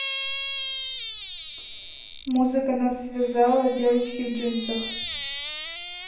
музыка нас связала девочки в джинсах